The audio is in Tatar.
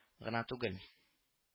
Гына түгел